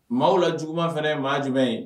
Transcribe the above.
Maaw la juguma fana ye maa jumɛn ye